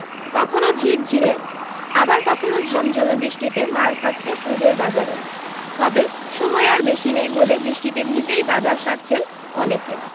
কখনো ঝিরঝিরে আবার কখনো ঝমঝমে বৃষ্টিতে মার খাচ্ছে পূজোর বাজারও তবে সময় আর বেশী নেই বলে বৃষ্টিতে ভিজেই বাজার সারছেন অনেকে